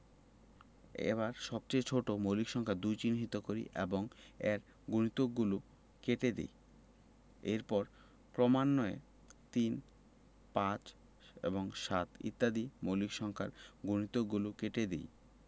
এবার সবচেয়ে ছোট মৌলিক সংখ্যা ২ চিহ্নিত করি এবং এর গুণিতকগলো কেটে দেই এরপর ক্রমান্বয়ে ৩ ৫ এবং ৭ ইত্যাদি মৌলিক সংখ্যার গুণিতকগুলো কেটে দিই